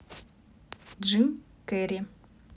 джим керри